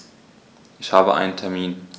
Ich habe einen Termin.